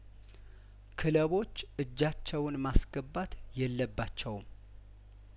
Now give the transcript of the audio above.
ክለቦች እጃቸውን ማስገባት የለባቸውም